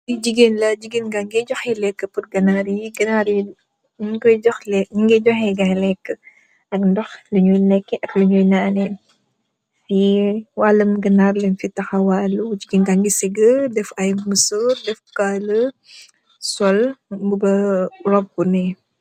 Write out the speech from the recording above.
Lii jigéen la, jigéen baa ngee jox leekë ganaar yi. Mu ngee jox leekë gaayi ak ndox. Fii waalu ganaar lañu fi taxawal. Jigeen baa ngi sëgë, def musoor, ak caalë, sol mbubu, roobu nii.